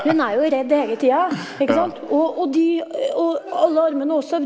hun er jo redd hele tida ikke sant og og de og alle armene også.